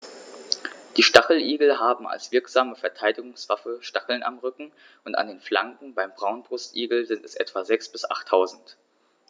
Die Stacheligel haben als wirksame Verteidigungswaffe Stacheln am Rücken und an den Flanken (beim Braunbrustigel sind es etwa sechs- bis achttausend).